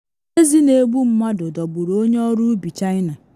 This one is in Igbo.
Ezi Na Egbu Mmadụ Dọgburu Onye Ọrụ Ubi China